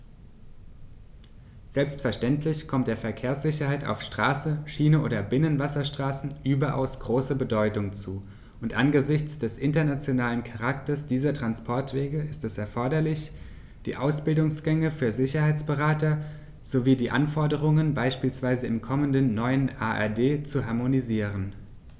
Selbstverständlich kommt der Verkehrssicherheit auf Straße, Schiene oder Binnenwasserstraßen überaus große Bedeutung zu, und angesichts des internationalen Charakters dieser Transporte ist es erforderlich, die Ausbildungsgänge für Sicherheitsberater sowie die Anforderungen beispielsweise im kommenden neuen ADR zu harmonisieren.